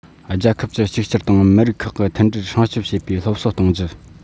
རྒྱལ ཁབ ཀྱི གཅིག གྱུར དང མི རིགས ཁག གི མཐུན སྒྲིལ སྲུང སྐྱོང བྱེད པའི སློབ གསོ གཏོང རྒྱུ